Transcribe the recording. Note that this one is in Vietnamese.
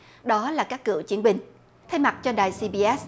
đó là các cựu chiến binh thay mặt cho đài xi bi ét